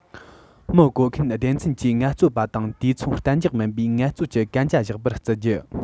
མི བཀོལ མཁན སྡེ ཚན གྱིས ངལ རྩོལ པ དང དུས མཚམས གཏན འཇགས མིན པའི ངལ རྩོལ གྱི གན རྒྱ བཞག པར བརྩི རྒྱུ